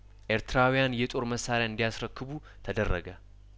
ኤርትራዊያን የጦር መሳሪያ እንዲያስረክቡ ተደረገ